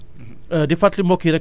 matière organique bu baax la